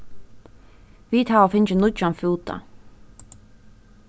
vit hava fingið nýggjan fúta